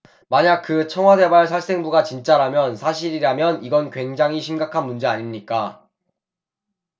만약 그 청와대발 살생부가 진짜라면 사실이라면 이건 굉장히 심각한 문제 아닙니까